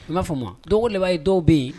N'a fɔ ma dɔw laban ye dɔw bɛ yen